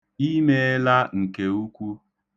I meela nke ukwu.